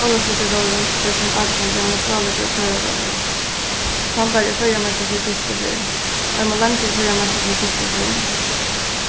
ólavsøkuróðurin tvey túsund og átjan bleiv ein frálíkur knørradagur tambar er føroyameistari fyri fyrstu ferð ormurin langi er føroyameistari fyri fyrstu ferð